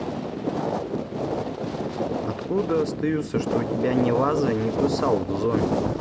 откуда остаются что у тебя не ваза не кусал зомби